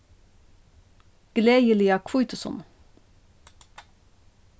gleðiliga hvítusunnu